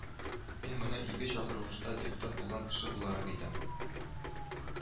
Мин моны ике чакырылышта депутат булган кеше буларак әйтәм